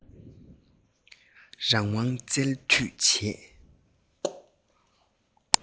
རང དབང བསྩལ དུས བྱས